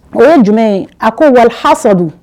O ye jumɛn ye a ko wali ha fɔ dun